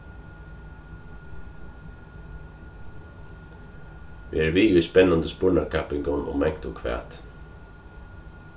ver við í spennandi spurnakanningum um mangt og hvat